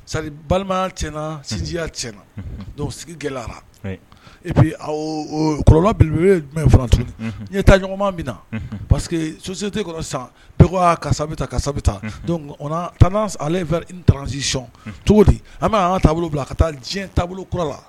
Sa balima tiɲɛna sinjiya tiɲɛna sigi gɛlɛ e bi kɔrɔlɔ ye jumɛn n taa ɲɔgɔn min na parce que sosite kɔnɔ san bɛɛ ka ka tan ale fɛsi sɔn cogo di an bɛ taabolo bila a ka taa diɲɛ taabolo kura la